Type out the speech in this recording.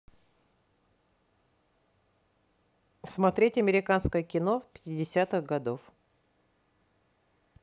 смотреть американское кино пятидесятых годов